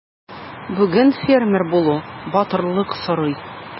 Бүген фермер булу батырлык сорый.